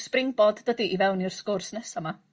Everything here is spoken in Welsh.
sbringboard dydi i fewn i'r sgwrs nesa 'ma?